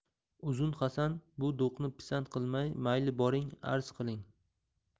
uzun hasan bu do'qni pisand qilmay mayli boring arz qiling